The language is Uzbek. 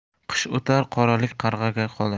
qish o'tar qoralik qarg'aga qolar